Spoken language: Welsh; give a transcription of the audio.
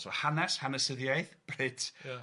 So hanes hanesyddiaeth brit... Ia.